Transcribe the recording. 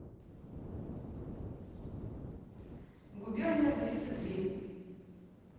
губерния тридцать три